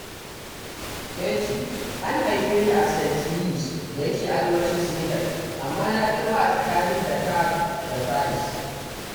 Keyti: An haife ni a Saint-Louis da yake arewacin Senegal, amma na girma a tsakanin Dakar da Thiès.